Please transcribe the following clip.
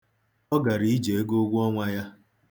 Ọ gara ije ego ụgwọ ọnwa ya.